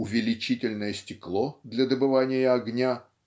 увеличительное стекло для добывания огня